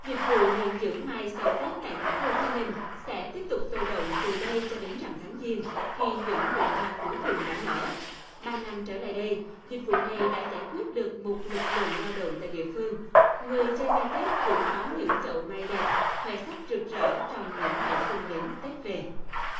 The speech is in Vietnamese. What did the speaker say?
dịch vụ nhận giữ mai sau tết tại thành phố hồ chí minh sẽ tiếp tục sôi động từ đây cho đến rằm tháng giêng khi những nụ hoa cuối cùng đã nở ba năm trở lại đây dịch vụ này đã giải quyết được một lực lượng lao động tại địa phương người chơi mai tết cũng có những chậu mai đẹp khoe sắc rực rỡ trong những ngày xuân đến tết về